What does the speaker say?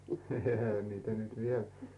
eihän niitä nyt vielä